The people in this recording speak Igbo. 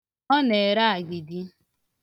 Ọ na-ere agidi.